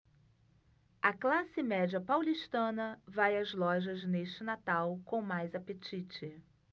a classe média paulistana vai às lojas neste natal com mais apetite